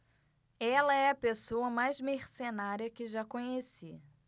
ela é a pessoa mais mercenária que já conheci